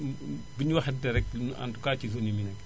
bu ñu waxantee rekk ñun en tout cas si zone yi ñu moom